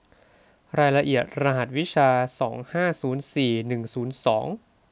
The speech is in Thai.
รายละเอียดรหัสวิชาสองห้าศูนย์สี่หนึ่งศูนย์สอง